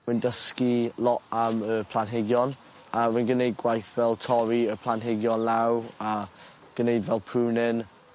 Wy'n dysgu lot am y planhigion a rwy'n gneud gwaith fel torri y planhigion lawr a gneud fel prunin